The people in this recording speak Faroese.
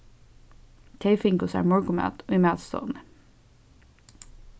tey fingu sær morgunmat í matstovuni